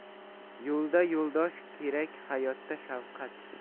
yo'lda yo'ldosh kerak hayotda shafqat